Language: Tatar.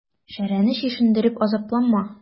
Шәрәне чишендереп азапланма.